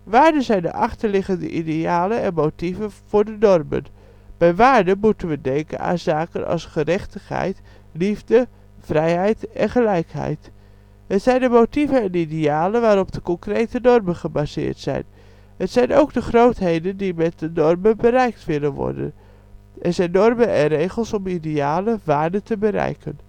Waarden zijn de achterliggende idealen en motieven voor de normen. Bij waarden moeten we denken aan zaken als gerechtigheid, liefde, vrijheid en gelijkheid. Het zijn de motieven en idealen waarop de concrete normen gebaseerd zijn. Het zijn ook de grootheden die met de normen bereikt willen worden. Er zijn normen en regels om idealen (waarden) te bereiken